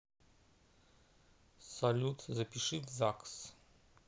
салют запиши в загс